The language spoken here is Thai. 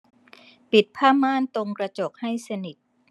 ปิดผ้าม่านตรงกระจกให้สนิท